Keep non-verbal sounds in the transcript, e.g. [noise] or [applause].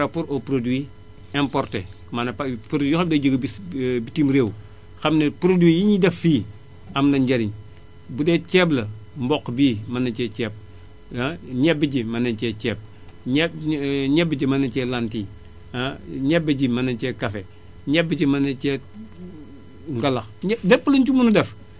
par rapport au produit importé maanaam produit yi nga xam ne tay jii [hesitation] mën na cee ceeb [hesitation] ñebe jii mën na cee ceeb ñe [hesitation] ñebe mën na cee lentille [hesitation] ñebe ji mën nañ cee café mën nañ cee ngalax lépp luñ ci mënul a def